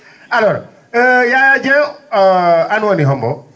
alors Yaya Dieng an woni hombo